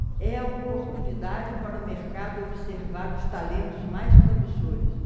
é a oportunidade para o mercado observar os talentos mais promissores